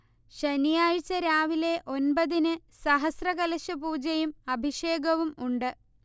ശനിയാഴ്ച രാവിലെ ഒൻപതിന് സഹസ്രകലശപൂജയും അഭിഷേകവും ഉണ്ട്